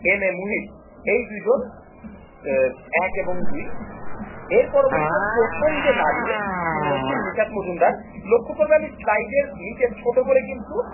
M A Muhit এই দুইজন 1 এবং 2 এর পরবর্তীতে প্রথম যে নারী তিনি হচ্ছেন নিশাত মজুমদার লক্ষ্য করবে স্লাইড এর নিচে ছোট করে কিন্তু